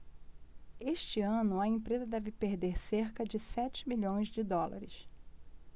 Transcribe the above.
este ano a empresa deve perder cerca de sete milhões de dólares